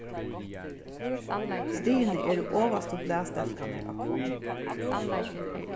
stigini eru ovastu blaðstelkarnir á hvonn